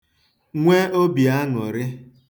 nwe obìaṅụ̀rị